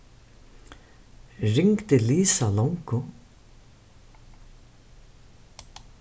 ringdi lisa longu